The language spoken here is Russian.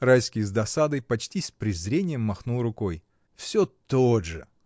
Райский с досадой, почти с презрением, махнул рукой. — Всё тот же!